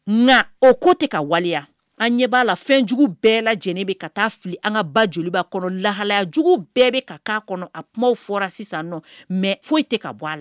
Nka o ko tɛ ka waleya an ɲɛ b'a la fɛnjugu bɛɛ lajɛlen bɛ ka taa fili an ka ba joliba kɔnɔ lahalaya jugu bɛɛ bɛ ka k'a kɔnɔ, a kumaw fɔra sisan mais foyi tɛ ka bɔ a la